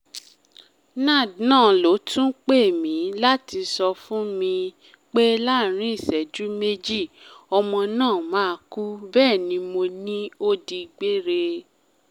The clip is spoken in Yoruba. Nad náà ló tún pè mí láti sọ fún mi pé láàrin ìṣẹ́jú méjì, ọmọ náà máa kú. Bẹ́è ni mo ní ó digbére.